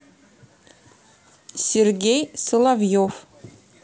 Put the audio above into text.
сергей соловьев